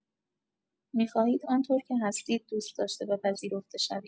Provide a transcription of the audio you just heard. می‌خواهید آن‌طور که هستید دوست داشته و پذیرفته شوید.